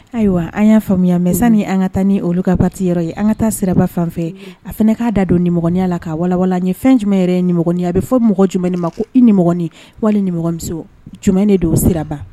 Ayiwa an y'a faamuyaya mɛni an ka taa ni olu kababati yɔrɔ ye an ka taa siraba fan fɛ a fana k'a da don niya la k'a wa waa ye fɛn jumɛn yɛrɛ ye niinya a bɛ fɔ mɔgɔ jumɛn ma ko i niin wali nimi jumɛn de don siraba